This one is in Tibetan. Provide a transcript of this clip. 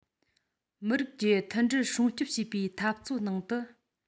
མི རིགས ཀྱི མཐུན སྒྲིལ སྲུང སྐྱོང བྱེད པའི འཐབ རྩོད ནང དུ